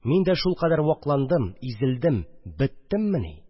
Мин дә шулкадәр вакландым, изелдем, беттеммени